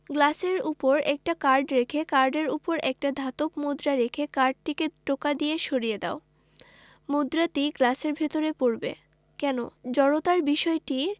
গ্লাসের উপর একটা কার্ড রেখে কার্ডের উপর একটা ধাতব মুদ্রা রেখে কার্ডটিকে টোকা দিয়ে সরিয়ে দাও মুদ্রাটি গ্লাসের ভেতর পড়বে কেন জড়তার বিষয়টি